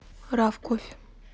раф кофе